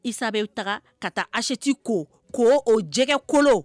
Isa u taga ka taa aseti ko k' o jɛgɛgɛ kolo